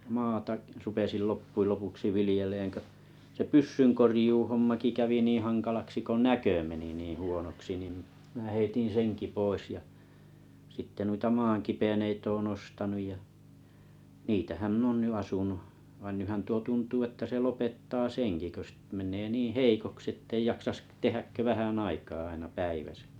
maata rupesin loppujen lopuksi viljelemään kun se pyssynkorjuuhommakin kävi niin hankalaksi kun näkö meni niin huonoksi niin minä heitin senkin pois ja sitten noita maankipeneitä olen ostanut ja niitähän minä olen nyt asunut vaan nythän tuo tuntuu että se lopettaa senkin kun - menee niin heikoksi että ei jaksaisi - tehdä kuin vähän aikaa aina päivässä